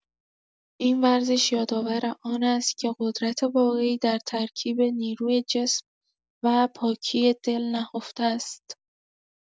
این ورزش یادآور آن است که قدرت واقعی در ترکیب نیروی جسم و پاکی دل نهفته است.